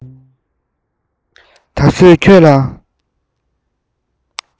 ད བཟོད ཁྱོད ལ